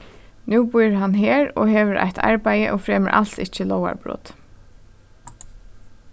nú býr hann her og hevur eitt arbeiði og fremur als ikki lógarbrot